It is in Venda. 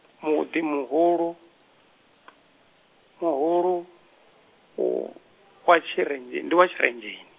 muḓi muhulu, muhulu, u, wa Tshirenzhe-, ndi wa Tshirenzheni.